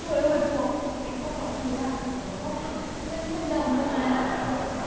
chùa đâu mà chùa anh quắt mọi khi á con đóng góp hẳn năm trăm đồng cơ mà